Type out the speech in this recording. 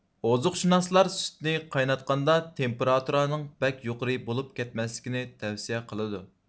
ئوزۇقشۇناسلار سۈتنى قايناتقاندا تېمپۇراتورانىڭ بەك يۇقىرى بولۇپ كەتمەسلىكىنى تەۋسىيە قىلىدۇ